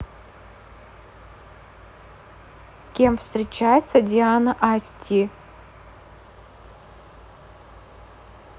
кем встречается диана асти